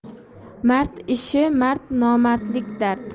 mard ishi mard nomardniki dard